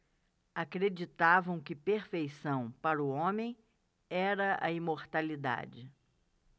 acreditavam que perfeição para o homem era a imortalidade